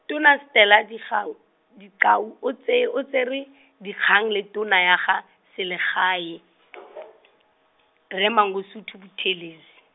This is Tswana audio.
tona Stella Digau, Ditau o tse- o tsere, dikgang le tona ya ga, selegae , rre Mangosuthu Buthelezi.